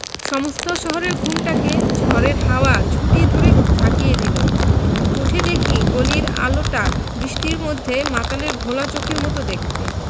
সমস্ত শহরের ঘুমটাকে ঝড়ের হাওয়া ঝুঁটি ধরে ঝাঁকিয়ে দিল উঠে দেখি গলির আলোটা বৃষ্টির মধ্যে মাতালের ঘোলা চোখের মত দেখতে